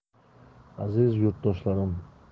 aziz yurtdoshlarim